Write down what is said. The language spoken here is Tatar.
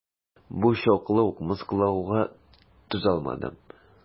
Бу чаклы ук мыскыллауга түзалмадым.